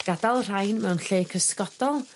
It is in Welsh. Gadal rhain mewn lle cysgodol